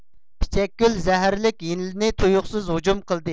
پىچەكگۈل زەھەرلىك يىلىنى تۇيۇقسىز ھۇجۇم قىلدى